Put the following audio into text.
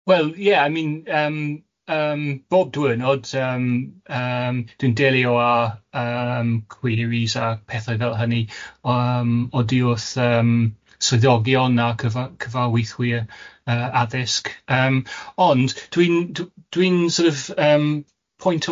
Wel ie, I mean yym yym bob dwyrnod yym yym dwi'n delio â yym queries a pethau fel hynny o yym odi wrth yym swyddogion a cyfa- cyfarweithwyr yy addysg yym ond dwi'n d- dwi'n sort of yym point o cysyllt.